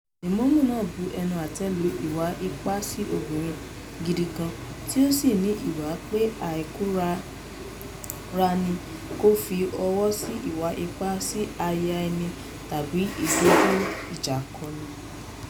Lèmọ́mù náà bú ẹnu àtẹ́ lu ìwà ipa sí obìnrin gidi gan, tí ó sì ń wí pé Àlìkùránì kò fi ọwọ́ sí ìwà ipá sí aya ẹni tàbí ìdojú-ìjàkọni.